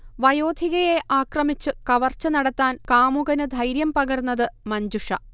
വയോധികയെ ആക്രമിച്ചു കവർച്ച നടത്താൻ കാമുകനു ധൈര്യം പകർന്നതു മഞ്ജുഷ